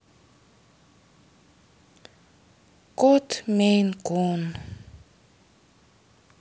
кот мейн кун